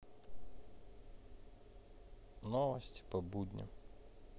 новости по будням